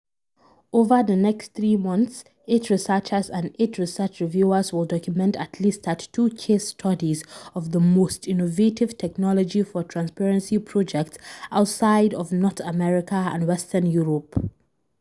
Over the next three months eight researchers and eight research reviewers will document at least 32 case studies of the most innovative technology for transparency projects outside of North America and Western Europe.